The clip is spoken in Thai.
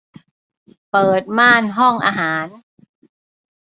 เปิดม่านห้องอาหาร